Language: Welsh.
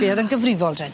Fe' o'dd yn gyfrifol ten.